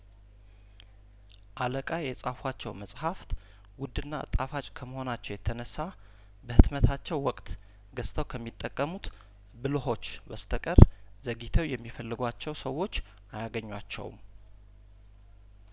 አለቃ የጻፏቸው መጽሀፍት ውድና ጣፋጭ ከመሆ ናቸው የተነሳ በህትመታቸው ወቅት ገዝተው ከሚጠቀሙት ብልሆች በስተቀር ዘግይተው የሚፈልጓቸው ሰዎች አያገኟቸውም